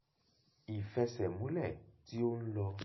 Ìfẹsẹ̀múlẹ̀ tí ó ń lọ